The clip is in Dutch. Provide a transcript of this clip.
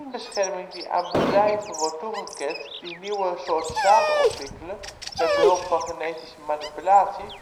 bescherming die aan bedrijven wordt toegekend die nieuwe soorten zaden ontwikkelen met behulp van genetische manipulatie